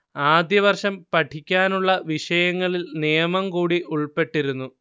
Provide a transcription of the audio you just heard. ആദ്യവർഷം പഠിക്കാനുള്ള വിഷയങ്ങളിൽ നിയമം കൂടി ഉൾപ്പെട്ടിരുന്നു